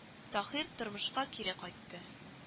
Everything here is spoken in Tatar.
— таһир тормышка кире кайтты